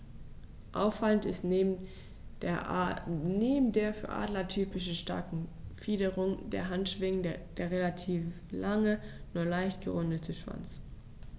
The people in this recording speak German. Auffallend ist neben der für Adler typischen starken Fingerung der Handschwingen der relativ lange, nur leicht gerundete Schwanz.